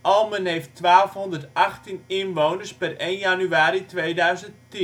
Almen heeft 1218 inwoners (1 januari 2010). De